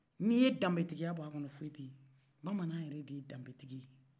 n'i ye danbetigiya b'a kɔnɔ foyi tɛ yen bamanan yɛrɛ de ye danbetigi ye